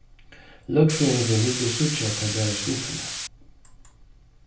løgfrøðingurin vildi síggja hvat var í skuffuni